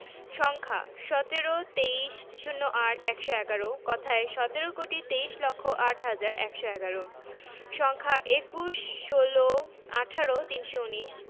সংখ্যাঃ ১৭ ২৩ ০৮ ১১১ কথায়ঃ সতেরো কোটি তেইশ লক্ষ আট হাজার একশো এগারো সংখ্যাঃ ২১ ১৬ ১৮ ৩১৯